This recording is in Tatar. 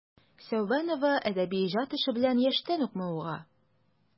Сәүбанова әдәби иҗат эше белән яшьтән үк мавыга.